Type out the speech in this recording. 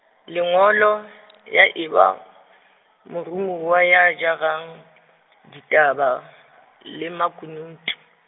lengolo , ya eba, moromuwa ya jarang , ditaba, le makunutu.